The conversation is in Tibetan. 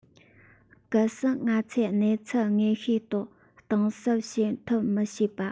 གལ སྲིད ང ཚོས གནས ཚུལ དངོས ཤེས རྟོགས གཏིང ཟབ བྱེད ཐབས མི བྱེད པ